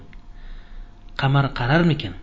qamar qararmikan